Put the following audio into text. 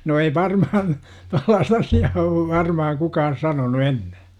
no ei varmaan tuollaista asiaa ole varmaan kukaan sanonut ennen